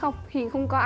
không hiền không có ai